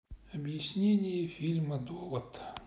объяснение фильма довод